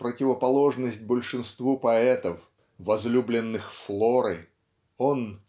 в противоположность большинству поэтов возлюбленных Флоры он